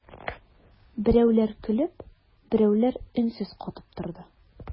Берәүләр көлеп, берәүләр өнсез катып торды.